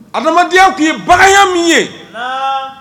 A adamadenyaya tun ye baganya min ye